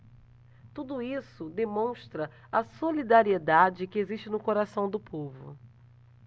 tudo isso demonstra a solidariedade que existe no coração do povo